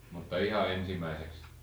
mutta ihan ensimmäiseksi